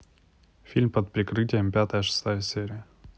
фильм под прикрытием пятая шестая серия